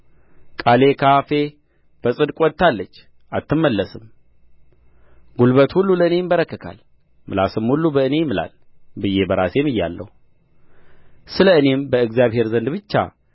ቃሌ ከአፌ በጽድቅ ወጥታለች አትመለስም ጕልበት ሁሉ ለእኔ ይንበረከካል ምላስም ሁሉ በእኔ ይምላል ብዬ በራሴ ምያለሁ ስለ እኔም በእግዚአብሔር ዘንድ ብቻ